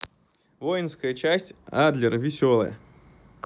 воинская часть адлер веселая